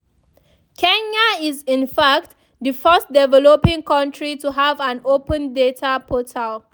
Kenya is in fact the first developing country to have an Open Data portal.